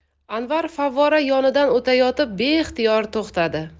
anvar favvora yonidan o'tayotib beixtiyor to'xtadi